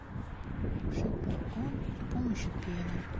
обшить балкон с помощью пены